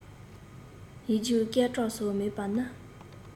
ཡིག རྒྱུགས སྐར གྲངས སོགས མེད པ ནི